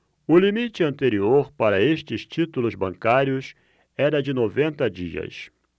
o limite anterior para estes títulos bancários era de noventa dias